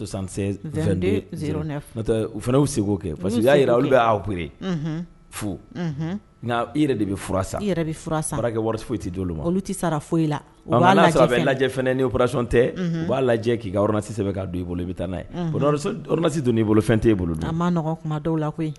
U fana se kɛ parce y'a jira olu bɛ awurere fo nka i yɛrɛ de bɛ fura sa i yɛrɛ bɛ san kɛ wari foyi tɛ' ma olu tɛ sara foyi e la lajɛ fɛn ni pation tɛ u b'a lajɛ k'i ka yɔrɔrsi sɛbɛn k' don e bolo i bɛ taa'asi don'i bolo fɛn t' e bolo don a ma nɔgɔ kuma dɔw la koyi